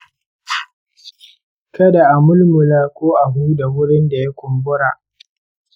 kada a mulmula ko a huda wurin da ya kumbura.